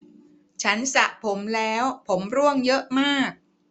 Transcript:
ฉันสระผมแล้วผมร่วงเยอะมาก